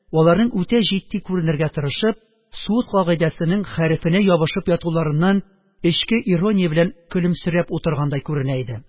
Аларның үтә җитди күренергә тырышып, суд кагыйдәсенең хәрефенә ябышып ятуларыннан эчке ирония белән көлемсерәп утыргандай күренә иде.